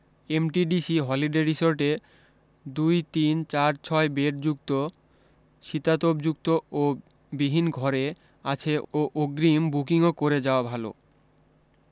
MTDC holiday রিসোর্টে দুই তিন চার ছয় বেড যুক্ত শীতাতপযুক্ত ও বিহীন ঘরে আছে ও অগ্রিম বুকিংও করে যাওয়া ভাল